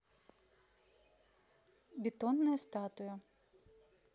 бетонная статуя